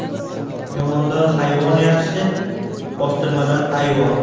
yomondan hayvon yaxshi bostirmadan ayvon